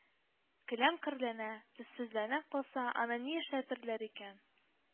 Келәм керләнә, төссезләнә калса, аны ни эшләтерләр икән